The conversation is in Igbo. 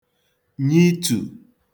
nyitù